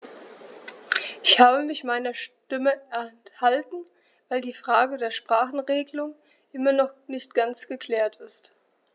Ich habe mich meiner Stimme enthalten, weil die Frage der Sprachenregelung immer noch nicht ganz geklärt ist.